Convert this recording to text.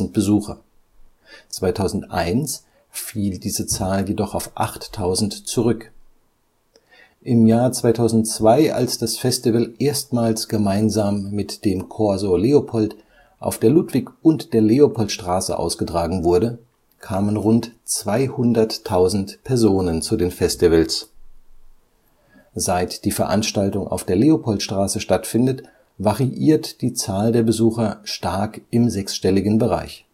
Besucher. 2001 fiel diese Zahl jedoch auf 8.000 zurück. Im Jahr 2002, als das Festival erstmals gemeinsam mit dem Corso Leopold auf der Ludwig - und der Leopoldstraße ausgetragen wurde, kamen rund 200.000 Personen zu den Festivals. Seit die Veranstaltung auf der Leopoldstraße stattfindet, variiert die Zahl der Besucher stark im sechsstelligen Bereich